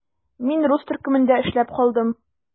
Мин рус төркемендә эшләп калдым.